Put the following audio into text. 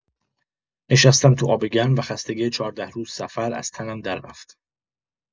نشستم تو آب‌گرم و خستگی چهارده روز سفر از تنم دررفت.